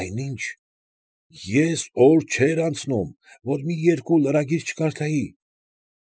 Այնինչ, ես օր չէր անցնում, որ մի կամ երկու լրագիր չկարդայի։